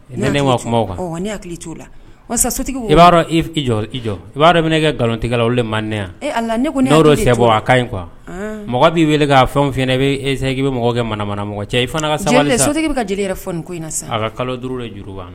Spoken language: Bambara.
Kuma ia jɔ i b'a bɛ ne nkalon tɛ la ma yan ka mɔgɔ b'i wele ka fɛn e i bɛ mɔgɔ kɛ cɛ i sabali sotigi ka ko sisan kalo juru